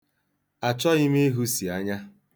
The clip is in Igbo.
Achọghị m ịhụsi anya.